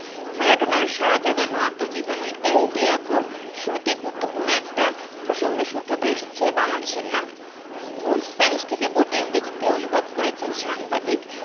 ম্যারাডোনার সাড়া জাগানো আত্মজীবনী এল ডিয়েগো র শুরুতেই গুরুত্বপূর্ণ একটা প্রসঙ্গের সূত্র ধরে এসেছে বাংলাদেশের নাম মূল স্প্যানিশ থেকে বইটি ইংরেজিতে অনু্বাদ করেছেন সাংবাদিক